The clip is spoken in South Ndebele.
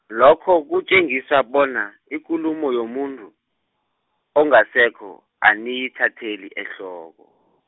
lokho kutjengisa bona, ikulumo yomuntu, ongasekho, aniyithatheli ehloko .